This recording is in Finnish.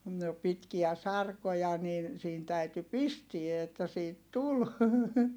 no pitkiä sarkoja niin siinä täytyi pistää että siitä tuli